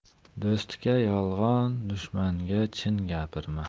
do'stga yolg'on dushmanga chin gapirma